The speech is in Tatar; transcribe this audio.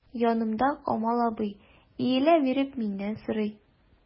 Янымда— Камал абый, иелә биреп миннән сорый.